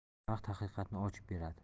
vaqt haqiqatni ochib beradi